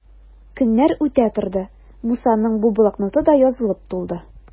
Көннәр үтә торды, Мусаның бу блокноты да язылып тулды.